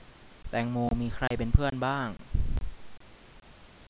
แตงโมมีใครเป็นเพื่อนบ้าง